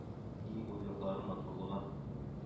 И ул якларның матурлыгы